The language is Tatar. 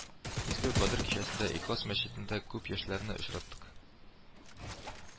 Изге Кадер кичәсендә Ихлас мәчетендә күп яшьләрне очраттык